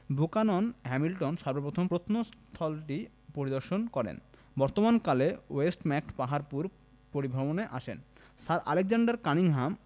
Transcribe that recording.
Buchanan Hamilton সর্ব প্রথম প্রত্নস্থলটি পরিদর্শন করেন পরবর্তীকালে ওয়েস্টম্যাকট পাহাড়পুর পরিভ্রমণে আসেন স্যার আলেকজান্ডার কানিংহাম